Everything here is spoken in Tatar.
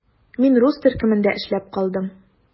Мин рус төркемендә эшләп калдым.